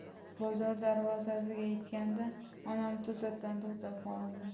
bozor darvozasiga yetganda onam to'satdan to'xtab qoldi